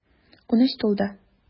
Унөч тулды.